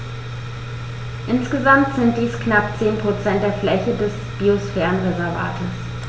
Insgesamt sind dies knapp 10 % der Fläche des Biosphärenreservates.